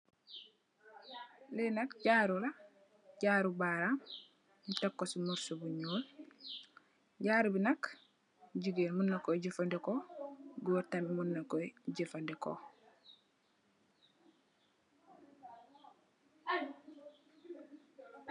Lee nak jaaru la jaaru baram nu teku se mursu bu nuul jaaru be nak jegain muna koye jafaneku goor tamin muna koye jafaneku.